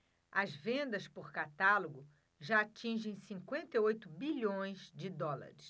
as vendas por catálogo já atingem cinquenta e oito bilhões de dólares